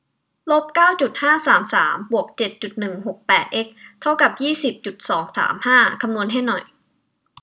ลบเก้าจุดห้าสามสามบวกเจ็ดจุดหนึ่งหกแปดเอ็กซ์เท่ากับยี่สิบจุดสองสามห้าคำนวณให้หน่อย